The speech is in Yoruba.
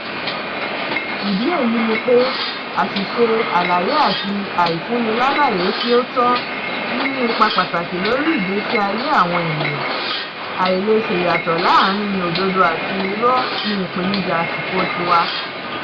Ìdí èyí ni pé àṣìṣe àlàyé àti àìfúnnilálàyé tí ó tọ́ ní ipa pataki lórí ìgbésí ayé àwọn ènìyàn; àìlèṣèyàtọ̀ láàárín òdodo àti irọ́ ni ìpèníjà àsìkò tiwa.